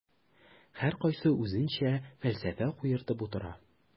Һәркайсы үзенчә фәлсәфә куертып утыра.